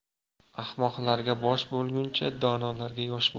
ahmoqlarga bosh bo'lguncha donolarga yosh bo'l